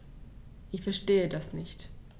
Ich verstehe das nicht.